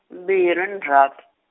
mbirhi Ndzhati.